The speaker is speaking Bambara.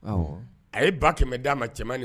A ye ba kɛmɛ d'a ma cɛ